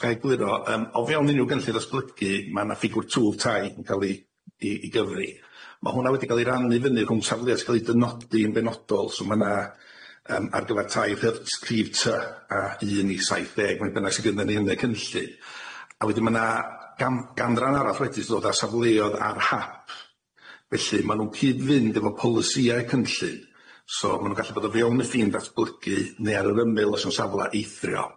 Os ga'i egluro yym o fewn unryw gynllun ddatblygu ma' 'na ffigwr twf tai yn ca'l i i i gyfri ma' hwnna wedi ga'l 'i rannu fyny rhwng safleodd sy'n ca'l 'i dynodi yn benodol so ma' 'na yym ar gyfar tai rhif ty a un i saith deg faint bynnag sy gynno ni yn y cynllun a wedyn ma' 'na gam- ganran arall wedyn so 'tha safleoedd ar hap felly ma' nw'n cyd-fynd efo polisiau cynllun so ma' nw'n gallu bod o fewn y ffin ddatblygu neu ar yr ymyl os yn safla eithrio.